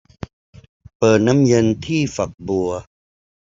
เปิดน้ำเย็นที่ฝักบัว